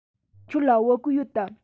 ཁྱོད ལ བོད གོས ཡོད དམ